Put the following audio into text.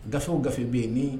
Gaw gafe bɛ yen ni